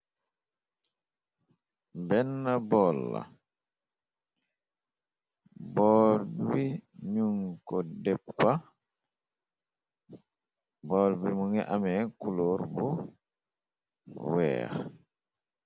Benn boolla boor bi nu ko déppa bool bi mu ngi amee culóor bu weex.